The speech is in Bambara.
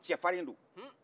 cɛfarin do